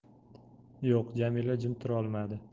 yo'q jamila jim turolmadi